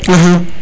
axa